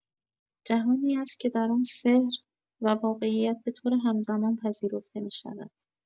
جهانی است که در آن سحر و واقعیت به‌طور همزمان پذیرفته می‌شوند.